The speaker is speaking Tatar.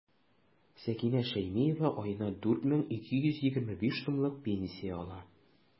Сәкинә Шәймиева аена 4 мең 225 сумлык пенсия ала.